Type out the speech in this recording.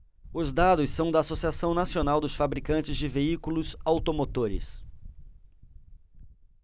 os dados são da anfavea associação nacional dos fabricantes de veículos automotores